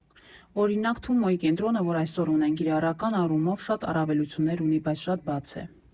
«Օրինակ՝ Թումոյի կենտրոնը, որ այսօր ունենք, կիրառական առումով շատ առավելություններ ունի, բայց շատ բաց է.